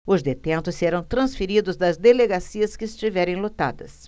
os detentos serão transferidos das delegacias que estiverem lotadas